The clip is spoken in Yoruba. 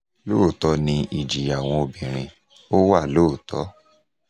Lóòótọ́ ni ìjìyà àwọn obìnrin, ó wà lóòótọ́.